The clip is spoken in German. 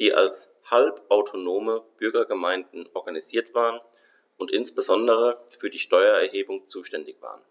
die als halbautonome Bürgergemeinden organisiert waren und insbesondere für die Steuererhebung zuständig waren.